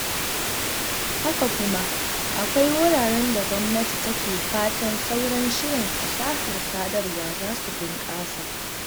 Haka kuma akwai wuraren da gwamnati take fatan sauran shirin fasahar sadarwa za su bunƙasa.